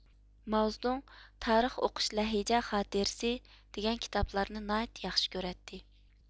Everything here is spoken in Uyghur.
ماۋزېدۇڭ تارىخ ئوقۇش لەھجە خاتىرىسى دېگەن كىتابلارنى ناھايىتى ياخشى كۆرەتتى